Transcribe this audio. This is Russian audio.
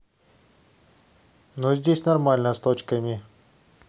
но здесь нормально с точками